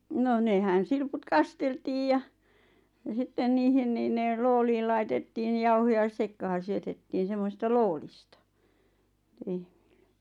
no nehän silput kasteltiin ja ja sitten niihin niin ne lootiin laitettiin ja jauhoja sekaan syötettiin semmoisista loodista lehmille